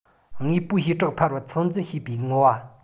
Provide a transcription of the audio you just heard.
དངོས པོའི བྱེ བྲག འཕར བར ཚོད འཛིན བྱེད པའི ངོ བ